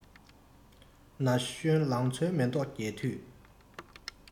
ན གཞོན ལང ཚོའི མེ ཏོག རྒྱས དུས